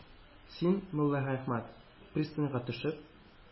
Син, Муллаәхмәт, пристаньга төшеп,